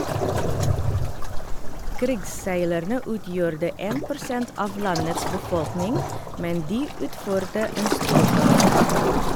Krigsseilerne utgjorde 1 % av landets befolkning, men de utførte en stordåd.